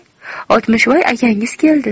oltmishvoy akangiz keldi